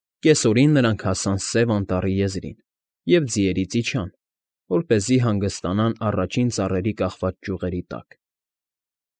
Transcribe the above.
Կեսօրին նրանք հասան Սև Անտառի եզին և ձիերից իջան, որպեսզի հանգստանան առաջին ծառերի կախված ճյուղերի տակ։